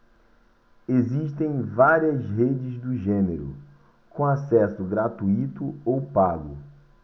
existem várias redes do gênero com acesso gratuito ou pago